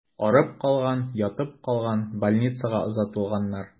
Арып калган, ятып калган, больницага озатылганнар.